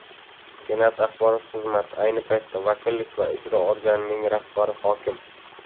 senat axborot xizmati ayni paytda vakillik va ijro organining rahbari hokim